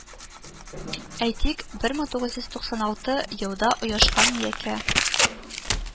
Әйтик, мең тугыз йөз туксан алты елда оешкан Миякә